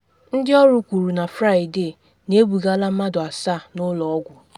Ndị ọrụ kwuru na Fraịde na ebugala mmadụ asaa n’ụlọ ọgwụ.